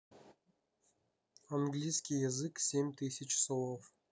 английский язык семь тысяч слов